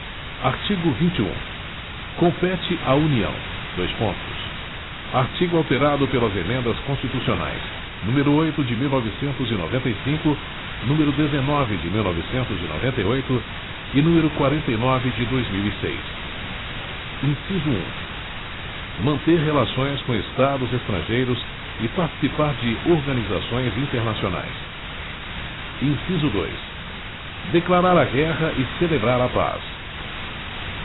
artigo vinte e um compete à união dois pontos artigo alterado pela emendas constitucionais número oito de mil novecentos e noventa e cinco número dezenove de mil novecentos e noventa e oito e número quarenta e nove de dois mil e seis inciso um manter relações com estados estrangeiros e participar de organizações internacionais inciso dois declarar a guerra e celebrar a paz